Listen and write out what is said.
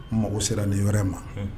Mago sera ni yɔrɔ ma